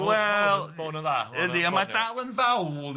Wel, yndi, ond ma' dal yn ddawl, dydi?